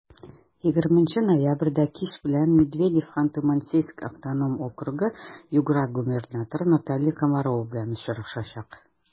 20 ноябрьдә кич белән медведев ханты-мансийск автоном округы-югра губернаторы наталья комарова белән очрашачак.